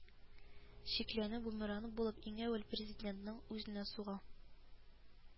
Чикләнү бумеранг булып иң әүвәл президентның үзенә суга